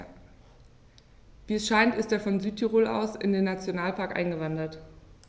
Wie es scheint, ist er von Südtirol aus in den Nationalpark eingewandert.